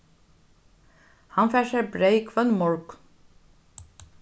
hann fær sær breyð hvønn morgun